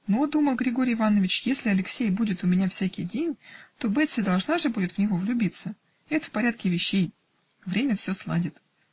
Но, думал Григорий Иванович, если Алексей будет у меня всякий день, то Бетси должна же будет в него влюбиться. Это в порядке вещей. Время все сладит.